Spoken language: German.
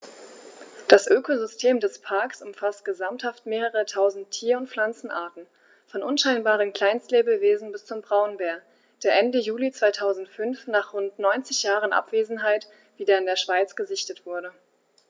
Das Ökosystem des Parks umfasst gesamthaft mehrere tausend Tier- und Pflanzenarten, von unscheinbaren Kleinstlebewesen bis zum Braunbär, der Ende Juli 2005, nach rund 90 Jahren Abwesenheit, wieder in der Schweiz gesichtet wurde.